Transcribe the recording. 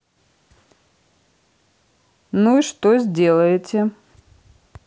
ну и что сделаете